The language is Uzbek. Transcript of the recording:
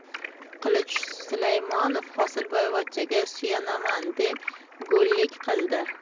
qilich sulaymonov hosilboyvachchaga suyanaman deb go'llik qildi